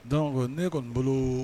Don ne kɔni n bolo